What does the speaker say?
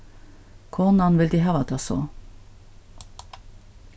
konan vildi hava tað so